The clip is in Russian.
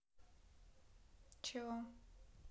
чего